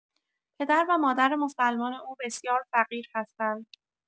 پدر و مادر مسلمان او بسیار فقیر هستند.